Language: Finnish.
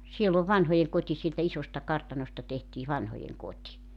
siellä on vanhojenkoti sieltä isosta kartanosta tehtiin vanhojenkoti